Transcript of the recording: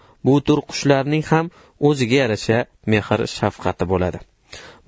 bu tur qushlarning ham o'ziga yarasha mehr shafqati bo'ladi